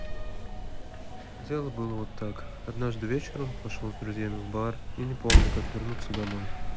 дело было вот как однажды вечером пошел с друзьями в бар и не помню как вернуться домой